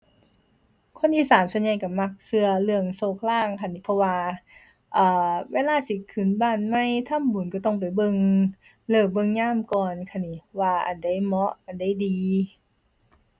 คนอีสานส่วนใหญ่ก็มักก็เรื่องโชคลางค่ะหนิ เพราะว่า เอ่อ เวลาสิขึ้นบ้านใหม่ ทำบุญก็ต้องไปเบิ่งฤกษ์ เบิ่งยามก่อนค่ะหนิ ว่าอันใดเหมาะ อันใดดี